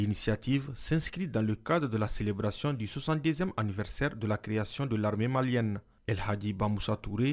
L'initiative s'inscrit dans le cadre de la célébration du 62ème anniversaire de la création de l'armée malienne, ali haji Bamusa Ture